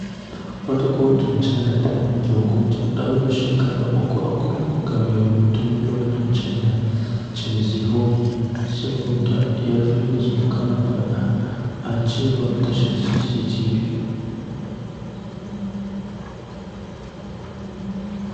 Wata kotun China ta yanke hukuncin ɗaurin shekaru uku a kurkuku ga mai rubutun blog ɗan China, Qin Zhihui, saboda “yarfe” da “tsokano faɗa,” a cewar tashar CCTV.